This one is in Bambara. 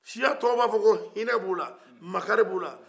siya tɔw b'a fɔ ko hinɛ b'u la makari b'u la